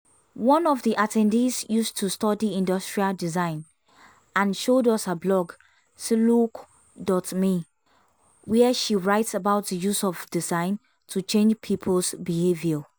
One of the attendees used to study industrial design, and showed us her blog, Selouk.me, where she writes about the use of design to change people's behaviour.